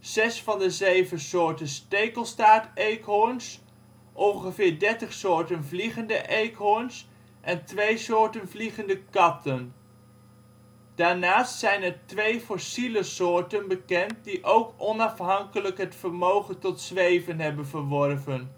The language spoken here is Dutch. zes van de zeven soorten stekelstaarteekhoorns (Anomaluridae), ongeveer dertig soorten vliegende eekhoorns (Pteromyini) en twee soorten vliegende katten (Cynocephalidae). Daarnaast zijn er twee fossiele soorten bekend die ook onafhankelijk het vermogen tot zweven hebben verworven